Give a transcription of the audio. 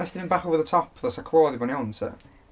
Wnest ti fynd bach over the top though. 'Sa clo 'di bod yn iawn 'sa?